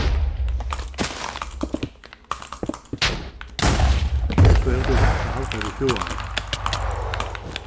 so hevur tú valt at halda við kúgaranum